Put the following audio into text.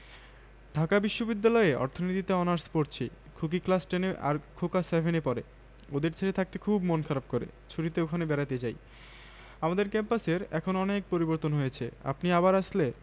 ঢাকা বিশ্ববিদ্যালয়ে অর্থনীতিতে অনার্স পরছি খুকি ক্লাস টেন এ আর খোকা সেভেন এ পড়ে ওদের ছেড়ে থাকতে খুব মন খারাপ করে ছুটিতে ওখানে বেড়াতে যাই আমাদের ক্যাম্পাসের এখন অনেক পরিবর্তন হয়েছে আপনি আবার আসলে